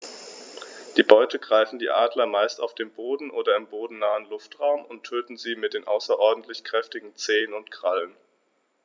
Die Beute greifen die Adler meist auf dem Boden oder im bodennahen Luftraum und töten sie mit den außerordentlich kräftigen Zehen und Krallen.